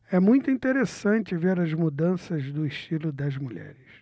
é muito interessante ver as mudanças do estilo das mulheres